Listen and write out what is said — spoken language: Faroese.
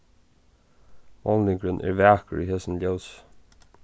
málningurin er vakur í hesum ljósi